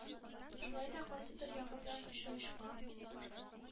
Шулай да, кайсыдыр ягы белән очы очка